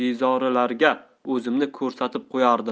bezorilarga o'zimni ko'rsatib qo'yardim